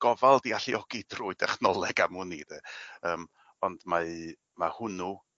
gofal 'di alluogi drwy dechnoleg am wn i 'de. Yym. Ond mae ma' hwnnw